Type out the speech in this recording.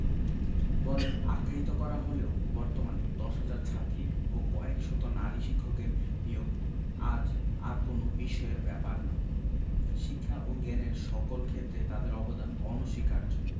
বলে আখ্যায়িত করা হলেও বর্তমানে ১০ হাজার ছাত্রী ও কয়েক শত নারী শিক্ষকের নিয়োগ আজ আর কোনো বিস্ময়ের ব্যাপার নয় শিক্ষা ও জ্ঞানের সকল ক্ষেত্রে তাদের অবদান অনস্বীকার্য